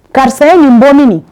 Karisa ye mun bɛ min